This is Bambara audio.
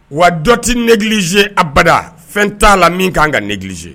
Wa dɔ tɛ negelize abada fɛn t'a la min kan ka negeilize